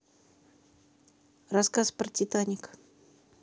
рассказ про титаник